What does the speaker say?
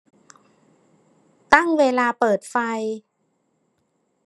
ตั้งเวลาเปิดไฟ